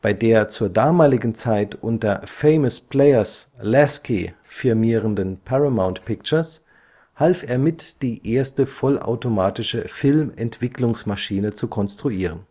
der zur damaligen Zeit unter Famous Players-Lasky firmierenden Paramount Pictures half er mit, die erste vollautomatische Filmentwicklungsmaschine zu konstruieren